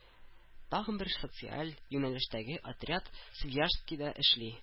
Тагын бер социаль юнәлештәге отряд Свияжскида эшли